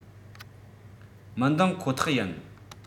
མི འདངས ཁོ ཐག ཡིན